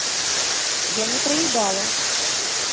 я не проедала